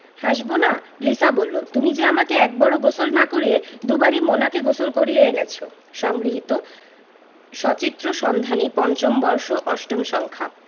হাসবোনা লিসা বললো তুমি যে আমাকে একবারও গোসল না করিয়ে দুবারই মোনাকে গোসল করিয়ে এনেছো সংগৃহীত সচিত্র সন্ধানী৫ম বর্ষ ৮ম সংখ্যা